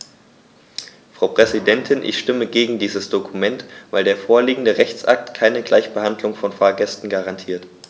Frau Präsidentin, ich stimme gegen dieses Dokument, weil der vorliegende Rechtsakt keine Gleichbehandlung von Fahrgästen garantiert.